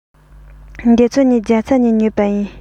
འདི ཚོ ནི རྒྱ ཚ ནས ཉོས པ ཡིན